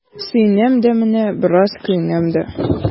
Сөенәм дә менә, бераз көенәм дә.